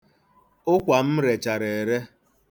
Ụkwa m rechara ere.